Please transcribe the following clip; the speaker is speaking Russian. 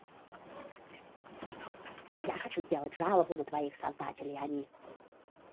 я хочу сделать жалобу на твоих создателей они